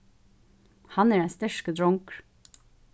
hann er ein sterkur drongur